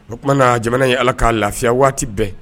O tumana na jamana ye ala k kaa lafiya waati bɛn